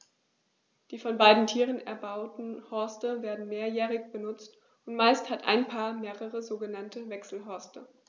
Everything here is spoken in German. Die von beiden Tieren erbauten Horste werden mehrjährig benutzt, und meist hat ein Paar mehrere sogenannte Wechselhorste.